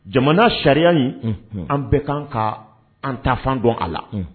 Jamana sariya in an bɛ kan ka an tafan dɔn a la